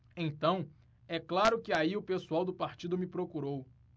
então é claro que aí o pessoal do partido me procurou